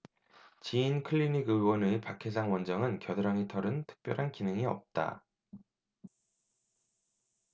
지인클리닉의원의 박해상 원장은 겨드랑이 털은 특별한 기능이 없다